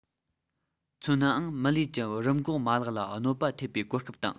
མཚོན ནའང མི ལུས ཀྱི རིམས འགོག མ ལག ལ གནོད པ ཐེབས པའི གོ སྐབས དང